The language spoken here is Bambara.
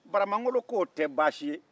baramangolo ko o tɛ baasi ye